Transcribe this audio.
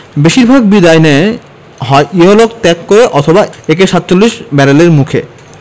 বেশির ভাগ বিদায় নেন হয় ইহলোক ত্যাগ করে অথবা একে ৪৭ ব্যারেলের মুখে